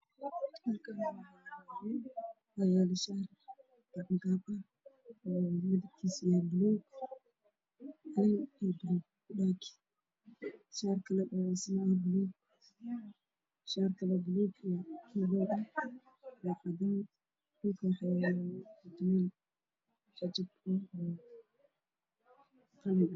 Xuseen waxaa yaalo saddex faneed fanaanad kaleerkeed waa madow iyo buluug midkalena waa madow iyo bulugacadeed waxayna yaalaan dhul cadaan ah